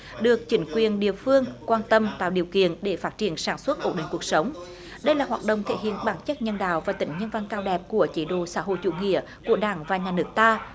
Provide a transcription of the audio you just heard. được chính quyền địa phương quan tâm tạo điều kiện để phát triển sản xuất ổn định cuộc sống đây là hoạt động thể hiện bản chất nhân đạo và tính nhân văn cao đẹp của chế độ xã hội chủ nghĩa của đảng và nhà nước ta